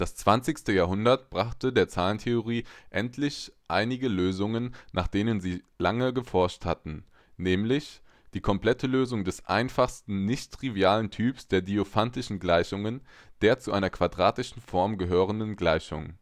zwanzigste Jahrhundert brachte der Zahlentheorie endlich einige Lösungen, nach denen sie so lange geforscht hatte, nämlich: Die komplette Lösung des einfachsten (nicht-trivialen) Typs der Diophantischen Gleichung: der zu einer quadratischen Form gehörenden Gleichung